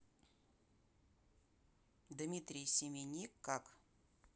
дмитрий семеник как